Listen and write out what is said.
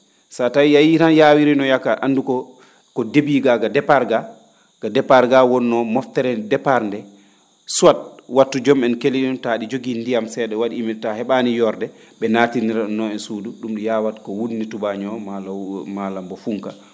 so a tawii a yiyi ran yaawirii noon yakkaade anndu ko début ga ga départ ga ko départ ga wonnoo moftere départ ndee soit wattu jom en keli ?um taa ?i jogii ndiyam see?a ?i wa?i humide taa he?aani yoorde ?e nattinira ?um noon e suudu ?um yaawat ko wu?ni tubaaño maa walla maa walla mbo fu?ka